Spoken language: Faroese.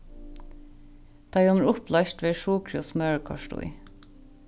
tá ið hon er upployst verður sukrið og smørið koyrt í